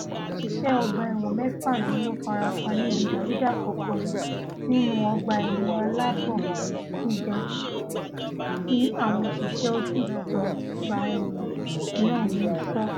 Àwọn òṣiṣẹ́ ọgbà-ẹ̀wọ̀n mẹ́fà níwọn farapa níbi ìdàrúdàpọ̀ kan nínú ọgbà-ẹ̀wọ̀n aláààbò gíga ti àwọn òṣìṣẹ̀ Ọ́fíìsì Ọgbà-ẹ̀wọ̀n náà ń sọ́.